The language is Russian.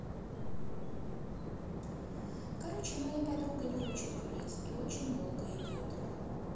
короче моя подруга не хочет гулять и очень долго идет